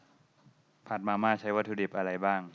ผัดมาม่าใช้วัตถุดิบอะไรบ้าง